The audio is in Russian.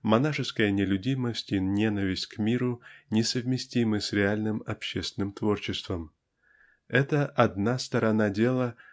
монашеская нелюдимость и ненависть к миру несовместимы с реальным общественным творчеством. Это-- одна сторона дела